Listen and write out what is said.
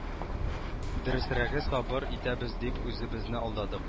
Дөресрәге сабыр итәбез дип үзебезне алдадык